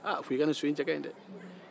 ko i ka nin so in cɛ ka ɲi dɛ